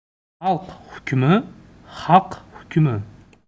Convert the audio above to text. xalq hukmi haq hukmi